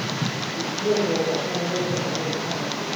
ปิดเครื่องโทรศัพท์ห้องนั่งเล่นให้ฉันในอีกห้านาที